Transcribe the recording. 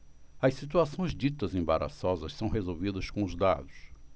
as situações ditas embaraçosas são resolvidas com os dados